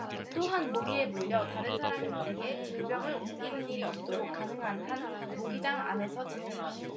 또한 모기에 물려 다른 사람에게 질병을 옮기는 일이 없도록 가능한 한 모기장 안에서 지내십시오